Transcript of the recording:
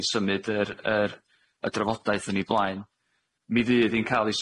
i symud yr yr y drafodaeth yn 'i blaen mi fydd 'i'n ca'l 'i